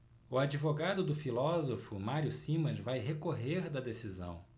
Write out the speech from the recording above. o advogado do filósofo mário simas vai recorrer da decisão